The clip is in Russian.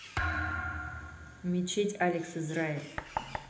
мечеть алекс израиль